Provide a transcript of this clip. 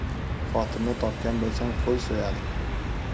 qotilni topgan bo'lsang qo'y so'yadi